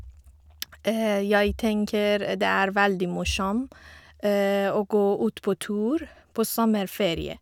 Jeg tenker det er veldig morsom å gå ut på tur på sommerferie.